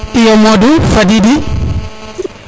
iyo modou fadidi